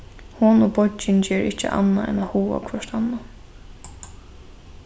hon og beiggin gera ikki annað enn at háða hvørt annað